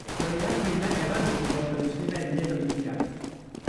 Breua Gwynfe Evans i fod yn ysgrifennydd y mudiad.